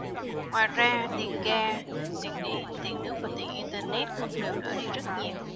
ngoài ra tiền gas tiền điện tiền nước và tiền internet cũng đều đỡ đi rất nhiều